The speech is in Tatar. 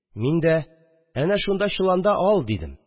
Мин дә: «Әнә шунда чоланда, ал», – дидем